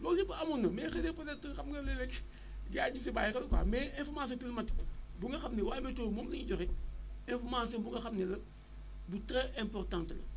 loolu yëpp amoon na mais xëy na peut ëtre xam nga léeg-léeg gars yi du ñu si bàyyi xel quoi mais information climatique bu nga xam ne waa météo moom la ñuy joxe information bu nga xam ni la bu très importante la